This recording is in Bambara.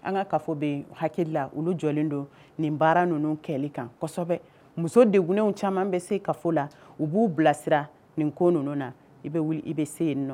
An ka kafɔ bɛ yen, n hakili la olu jɔlen don nin baara ninnu kɛli kan kosɛbɛn, musodenin caaman bɛ se kafɔ la u b'u bilasira nin ko ninnu na. I bɛ se yen nɔ.